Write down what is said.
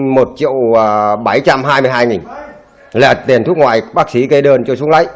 một triệu và bảy trăm hai mươi hai nghìn là tiền thuốc ngoài bác sĩ kê đơn cho xuống lấy